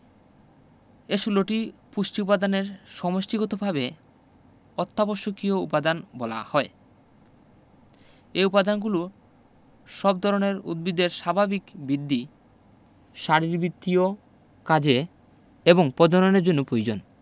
এ ১৬ টি পুষ্টি উপাদানের সমষ্টিগতভাবে অত্যাবশ্যকীয় উপাদান বলা হয় এই উপাদানগুলো সব ধরনের উদ্ভিদের স্বাভাবিক বিদ্ধি শারীরবিত্তীয় কাজ এবং পজননের জন্য প্রয়োজন